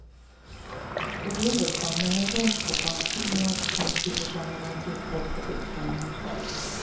Թերևս, ամենօրյա աշխատանքում միակ խնդիրը ժամանակի զգացողությունն էր։